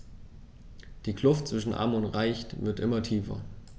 Die Kluft zwischen Arm und Reich wird immer tiefer.